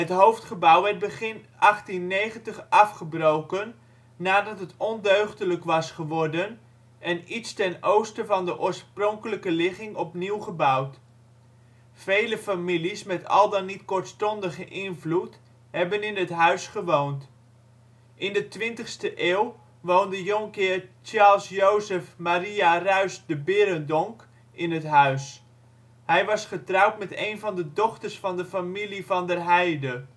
hoofdgebouw werd begin 1890 afgebroken, nadat het ondeugdelijk was geworden, en iets ten oosten van de oorspronkelijke ligging opnieuw gebouwd. Vele families met al dan niet kortstondige invloed hebben in het huis gewoond. In de 20e eeuw woonde Jonkheer Charles Joseph Maria Ruijs de Beerenbrouck in het huis. Hij was getrouwd met één van de dochters van de familie Van der Heyde